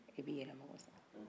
i b'i yɛrɛ mako sa